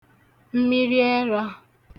mmiriẹrā